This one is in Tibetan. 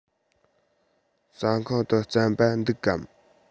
ཟ ཁང དུ རྩམ པ འདུག གམ